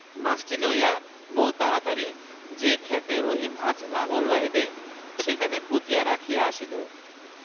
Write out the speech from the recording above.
মাছটি লইয়া বউ তাড়াতাড়ি যে ক্ষেতে রহিম আজ লাঙল বাহিবে সেখানে পুঁতিয়া রাখিয়া আসিল